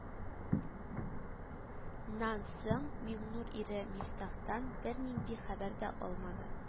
Нан соң миңнур ире мифтахтан бернинди хәбәр дә алмады